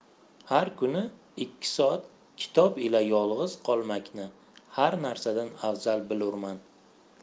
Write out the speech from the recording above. har kuni ikki soat kitob ila yolg'iz qolmakni har narsadan afzal bilurman